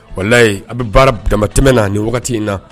Wala a bi baara damatɛ na ni wagati in na.